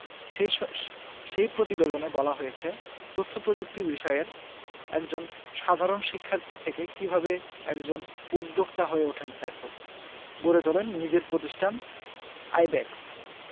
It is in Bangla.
সেস স সেই প্রতিবেদনে বলা হয়েছে তথ্যপ্রযুক্তি বিষয়ের একজন সাধারণ শিক্ষার্থী থেকে কীভাবে একজন উদ্যোক্তা হয়ে ওঠেন সাইফুল গড়ে তোলেন নিজের প্রতিষ্ঠান আইব্যাকস